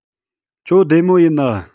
ཁྱོད བདེ མོ ཡིན ན